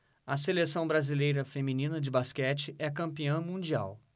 a seleção brasileira feminina de basquete é campeã mundial